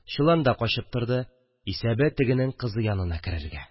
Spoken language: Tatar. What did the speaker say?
Чоланда качып торды, исәбе – тегенең кызы янына керергә